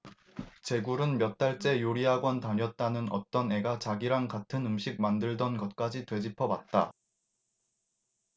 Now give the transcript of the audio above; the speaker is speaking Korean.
제굴은 몇 달째 요리 학원 다녔다는 어떤 애가 자기랑 같은 음식 만들던 것까지 되짚어봤다